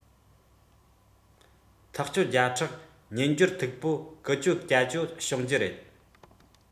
ཐག ཆོད བརྒྱ ཕྲག སྨྱན སྦྱོར མཐུག པོ ཀུ ཅོ ཅ ཅོ བྱུང རྒྱུ རེད